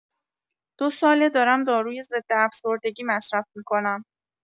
دو ساله دارم داروی ضدافسردگی مصرف می‌کنم.